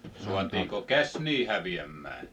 saatiinko känsiä häviämään